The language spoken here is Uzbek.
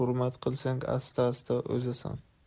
hurmat qilsang asta asta o'zasan